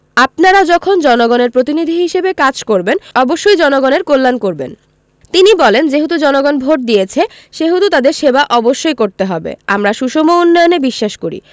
আপনারা যখন জনগণের প্রতিনিধি হিসেবে কাজ করবেন অবশ্যই জনগণের কল্যাণ করবেন তিনি বলেন যেহেতু জনগণ ভোট দিয়েছে সেহেতু তাদের সেবা অবশ্যই করতে হবে আমরা সুষম উন্নয়নে বিশ্বাস করি